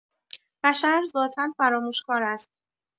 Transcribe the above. بشر ذاتا فراموش‌کار است!